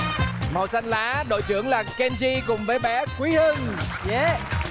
màu xanh lá đội trưởng là ken ri cùng với bé quý hưng dê